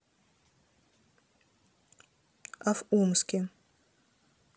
а в омске